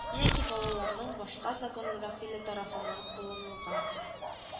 Яки балаларның башка законлы вәкиле тарафыннан кылынылган